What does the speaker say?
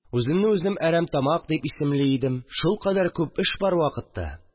Үземне үзем әрәмтамак дип исемли идем. Шулкадәр күп эш бар вакытта